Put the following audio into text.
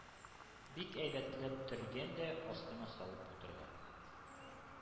Бик әйбәтләп төргән дә астына салып утырган.